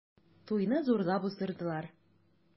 Туйны зурлап уздырдылар.